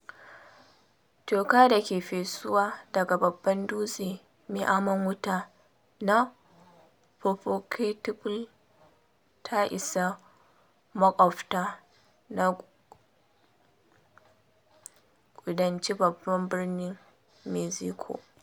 Toka da ke fesuwa daga babban dutse mai amon wuta na Popocatepetl ta isa makwaɓta na kudancin babban birnin Mexico.